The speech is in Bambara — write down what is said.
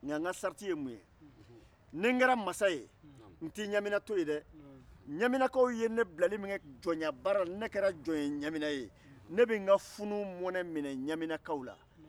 nka ka sarati ye mun ye n tɛ ɲamina to yen dɛ ɲaminakaw ne bilali min kɛ jɔnyabaara la ni ne kɛra jɔn ye ɲamina ye ne bɛ n ka funu mɔnɛ mnɛ ɲaminakaw la